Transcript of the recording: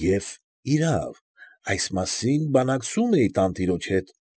Եվ, իրավ, այս մասին բանակցում էի տանտիրոջ հետ։